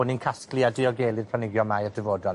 bo' ni'n casglu a diogelu'r planhigion 'ma i'r dyfodol.